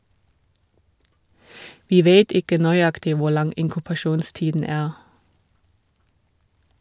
- Vi vet ikke nøyaktig hvor lang inkubasjonstiden er.